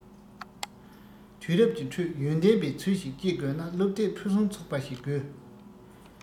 དུས རབས ཀྱི ཁྲོད ཡོན ཏན པའི ཚུལ ཞིག སྐྱེད དགོས ན སློབ དེབ ཕུན སུམ ཚོགས པ ཞིག དགོས